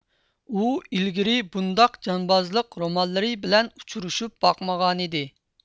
ئۇ ئىلگىرى بۇنداق جانبازلىق رومانلىرى بىلەن ئۇچرىشىپ باقمىغانىدى